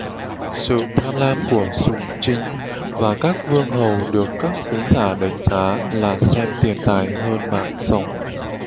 sự tham lam của sùng trinh và các vương hầu được các sử gia đánh giá là xem tiền tài hơn mạng sống